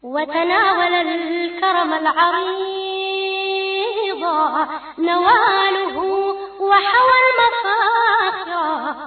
Wadugukɔrɔ naamubugu wa wa